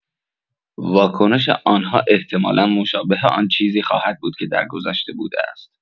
واکنش آن‌ها احتمالا مشابه آن چیزی خواهد بود که درگذشته بوده است.